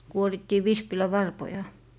kuorittiin vispilänvarpoja